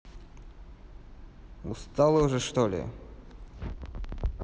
устала уже что ли